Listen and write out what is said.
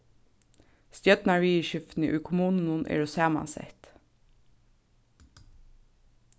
stjórnarviðurskiftini í kommununum eru samansett